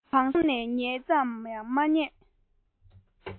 གང སར སོང ནས ཉལ ས བཙལ ཡང མ རྙེད